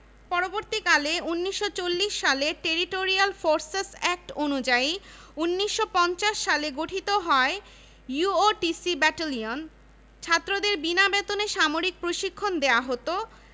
নবাব নওয়াব আলী চৌধুরী সিনেটভবন নির্মাণ করা হয় ২০০৭ সালে এখানে রয়েছে অত্যাধুনিক সুবিধা সম্বলিত ৪৮০ আসন বিশিষ্ট একটি মনোরম